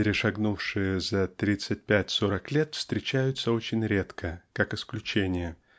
перешагнувшие за тридцать пять -- сорок лет встречаются очень редко как исключение.